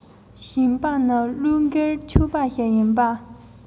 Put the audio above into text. བཅིངས འགྲོལ དམག ནི བློས འགེལ ཆོག པ ཞིག ཡིན པ མཐོང ཐུབ